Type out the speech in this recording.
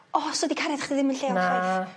O so 'di cariad chi ddim yn lleol... Na. ...chwaith.